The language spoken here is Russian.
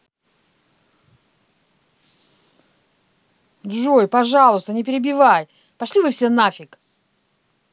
джой пожалуйста не перебирай пошли вы все нафиг